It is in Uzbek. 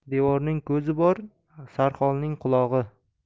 devorning ko'zi bor sarxolning qulog'i